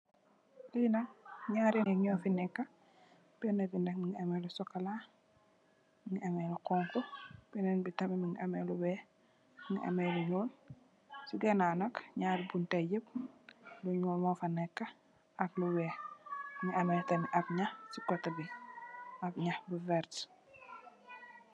Lii nak nyarri nit nyufi neka, kenaki nak mungi ame ku sokola mungi ame lu xonxo, kenenki tamid mungi ame lu weex, mungi ame lu ñuul. Ci gannaaw nak nyarri buntayi yepp lu ñuul mufa nekka ak lu weex. Mungi ame tamid ab nyax ci coteh bi nyax bu verte.